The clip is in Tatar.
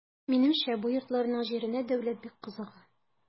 Минемчә бу йортларның җиренә дәүләт бик кызыга.